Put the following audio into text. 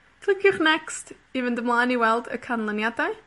Cliciwch Next i fynd ymlaen i weld y canlyniadau.